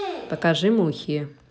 покажи мухи